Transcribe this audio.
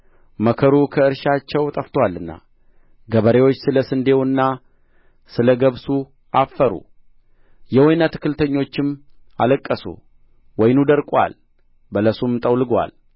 መከሩ ከእርሻቸው ጠፍቶአልና ገበሬዎች ስለ ስንዴውና ስለ ገብሱ አፈሩ የወይን አትክልተኞችም አለቀሱ ወይኑ ደርቆአል በለሱም ጠውልጎአል